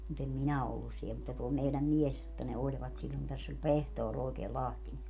mutta en minä ole ollut siellä mutta tuo meidän mies että ne olivat silloin tässä oli pehtori oikein Lahtinen